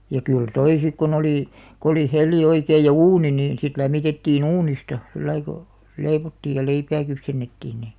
ja kyllä tuo sitten kun oli kun oli hella oikein ja uuni niin sitten lämmitettiin uunista sillä lailla kun leivottiin ja leipää kypsennettiin niin